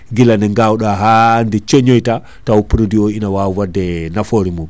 guila ne gawɗa haa nde coñoyta taw produit :ina wawa wadde nafoore mum